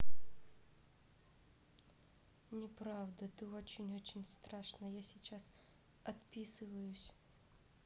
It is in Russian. не правда ты очень очень страшно я сейчас отписываюсь